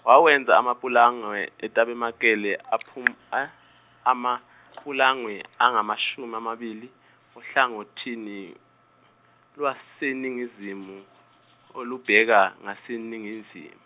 wawenza amapulangwe etabemakele aphum- amapulangwe angamashumi amabili ohlangothini lwaseningizimu, olubheka ngaseNingizim-.